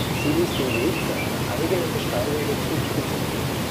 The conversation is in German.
Sie ließ den Weg für eine eigene Besteigung der Zugspitze prüfen